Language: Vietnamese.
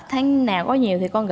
tháng nào có nhiều thì con